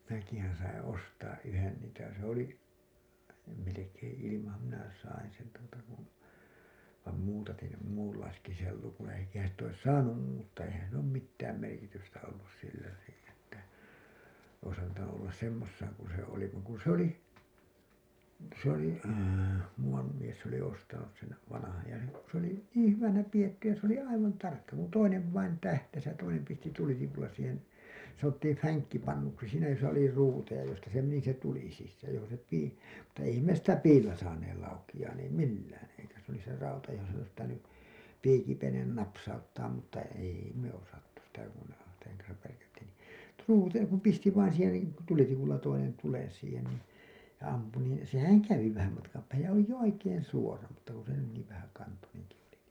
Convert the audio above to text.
minäkin sain ostaa yhden niitä se oli ja melkein ilmanhan minä sain sen tuota kun vaan muutatin sen muunlaiseksi sen lukon eikä sitä olisi saanut muuttaa eihän sillä ole mitään merkitystä ollut sillä niin että olisi antanut olla semmoisenaan kuin se oli vaan kun se oli vaan kun se oli muuan mies se oli ostanut sen vanhan ja sitten kun se oli niin hyvänä pidetty ja se oli aivan tarkka kuntoinen vain tähtäsi ja toinen pisti tulitikulla siihen sanottiin fänkkipannuksi siinä jossa oli ruuteja josta se meni se tuli sisään ja johon se piti mutta eihän me sitä piillä saaneet laukeamaan ei millään eikä se oli se rauta johon se olisi pitänyt piikipenen napsauttaa mutta ei me osattu sitä kun sen kanssa värkättiin niin ruuteja kun pisti vain siihen niin tulitikulla toinen tulen siihen niin ja ampui niin sehän kävi vähän matkan päähän ja oli jo oikein suora mutta kun se oli niin vähäkantoinenkin jotenkin